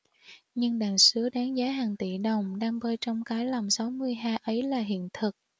nhưng đàn sứa đáng giá hàng tỷ đồng đang bơi trong cái lồng sáu mươi ha ấy là hiện thực